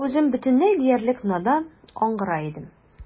Ә үзем бөтенләй диярлек надан, аңгыра идем.